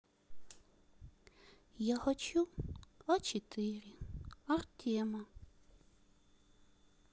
я хочу а четыре артема